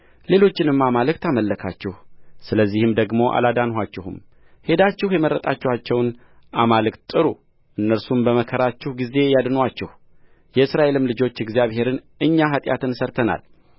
ሌሎችንም አማልክት አመለካችሁ ስለዚህም ደግሞ አላድናችሁም ሄዳችሁም የመረጣችኋቸውን አማልክት ጥሩ እነርሱም በመከራችሁ ጊዜ ያድኑአችሁ የእስራኤልም ልጆች እግዚአብሔርን እኛ ኃጢአትን ሠርተናል